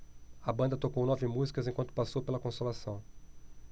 a banda tocou nove músicas enquanto passou pela consolação